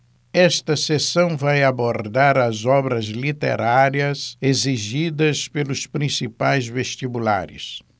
esta seção vai abordar as obras literárias exigidas pelos principais vestibulares